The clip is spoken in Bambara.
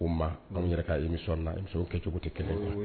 Ko maa anw yɛrɛ k'a yemi muso kɛ cogo tɛ kɛlɛ